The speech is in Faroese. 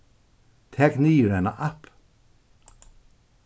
tak niður eina app